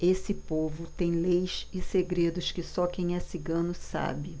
esse povo tem leis e segredos que só quem é cigano sabe